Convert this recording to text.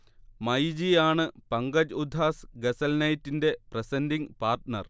മൈജി ആണ് പങ്കജ് ഉധാസ് ഗസൽ നൈറ്റിന്റെ presenting partner